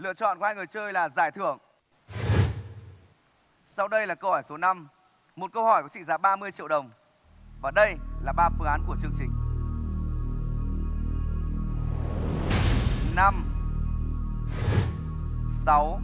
lựa chọn của hai người chơi là giải thưởng sau đây là câu hỏi số năm một câu hỏi có trị giá ba mươi triệu đồng và đây là ba phương án của chương trình năm sáu